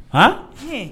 Hɔn